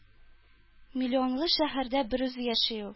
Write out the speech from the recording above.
Миллионлы шәһәрдә берүзе яши ул.